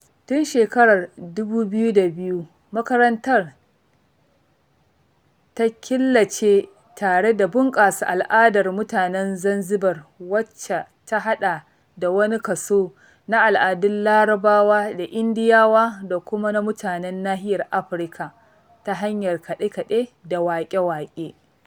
Tun shekarar 2002, makarantar ta killace tare da bunƙasa al'adar mutanen Zanzibar wacce ta haɗa da wani kaso na al'adun Larabawa da Indiyawa da kuma na mutanen nahiyar Afrika ta hanyar kaɗe-kaɗe da waƙe-waƙe.